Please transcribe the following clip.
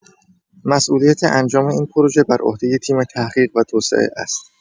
مسئولیت انجام این پروژه برعهده تیم تحقیق و توسعه است.